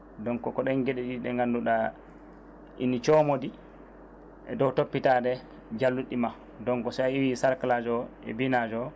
donc ko ɗen geeɗe ɗiɗi ɗe gannduɗa ina coomodi e doow toppitade njalluɗi ma donc sa wii cerclage o e binage o